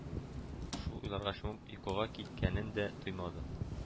Шул уйларга чумып йокыга киткәнендә тоймады